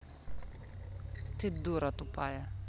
ты дура тупая